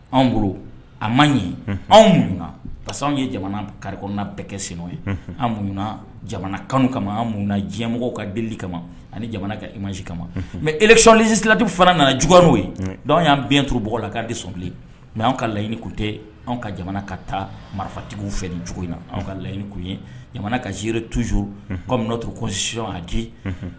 Anwgolo an man ɲi anw ka anw ye jamana karikna bɛɛ kɛ sen n'o ye anw jamana kanu kama an mun diɲɛmɔgɔ ka deli kama ani jamana ka manz kama mɛ esiɔnlijisilati fana nana j'o ye y'an bin t duuru bɔ la k' di sɔnbilen mɛ' ka layiini kunte anw ka jamana ka taa marifatigiww fɛ ni cogo in na anw ka layiini kun ye jamana ka zere tuzo ka tosiɔn ka di